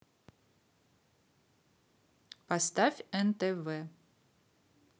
поставь нтв